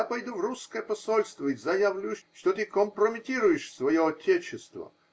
-- Я пойду в русское посольство и заявлю, что ты компрометируешь свое отечество